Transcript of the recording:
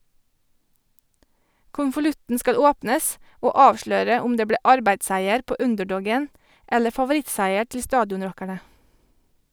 Konvolutten skal åpnes, og avsløre om det ble arbeidsseier på underdogen, eller favorittseier til stadionrockerne.